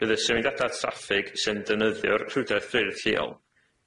Bydd y symudiada traffig sy'n defnyddio'r rhwdwaith ffyrdd lleol